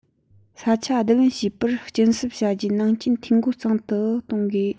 ས ཆ བསྡུ ལེན བྱས པར སྐྱིན གསབ བྱ རྒྱུའི ནང རྐྱེན འཐུས སྒོ ཚང དུ གཏོང དགོས